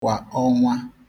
kwà ọnwa